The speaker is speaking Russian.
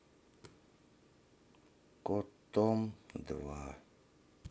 кот том два